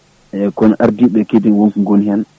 eyyi kono ardiɓe kadi wonko gooni hen